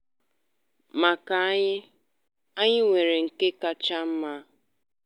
Maka anyị, anyị nwere nke kacha mma.